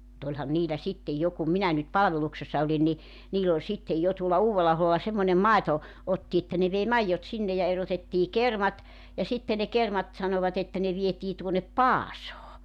mutta olihan niillä sitten jo kun minä nyt palveluksessa olin niin niillä oli sitten jo tuolla Uudella-aholla semmoinen - otti että ne vei maidot sinne ja erotettiin kermat ja sitten ne kermat sanoivat että ne vietiin tuonne Paasoon